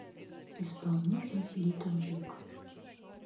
исполнитель литл биг